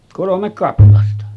kolme kaplasta